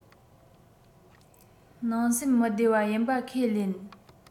ནང སེམས མི བདེ བ ཡིན པ ཁས ལེན